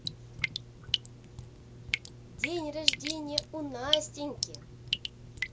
день рождения у настеньки